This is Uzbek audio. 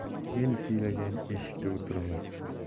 el siylagan eshikda o'tirmas